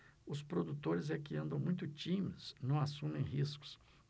os produtores é que andam muito tímidos não assumem riscos